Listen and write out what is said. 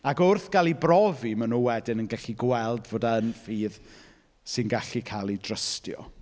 Ac wrth gael ei brofi, maen nhw wedyn yn gallu gweld fod e yn ffydd sy'n gallu cael ei drystio.